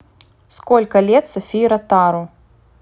сколько лет софии ротару